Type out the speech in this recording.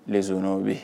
<<